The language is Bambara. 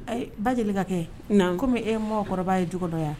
Ee ba deli ka kɛ nka kɔmi e mɔgɔkɔrɔba ye du dɔ yan